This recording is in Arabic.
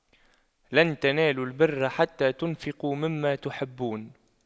لَن تَنَالُواْ البِرَّ حَتَّى تُنفِقُواْ مِمَّا تُحِبُّونَ